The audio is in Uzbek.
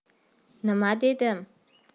nima dedim